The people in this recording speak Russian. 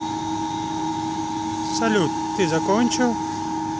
салют ты закончил